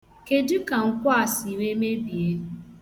Kedụ ka nkwo a si wee mebie?